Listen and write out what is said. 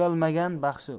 bo'lar uyalmagan baxshi